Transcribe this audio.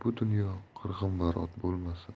dunyo qirg'inbarot bo'lmasin